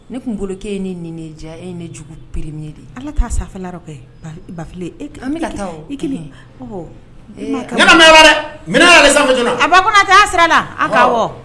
Ne tun bolo k'e ne ɲin de ye ja e ye ne jugu premier de ye, Ala